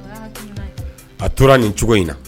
A tora nin cogo in na